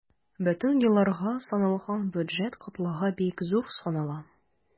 Бөтен елларга салынган бюджет кытлыгы бик зур санала.